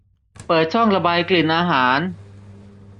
เปิดช่องระบายกลิ่นอาหาร